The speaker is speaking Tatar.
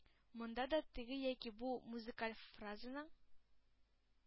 Монда да, теге яки бу музыкаль фразаның,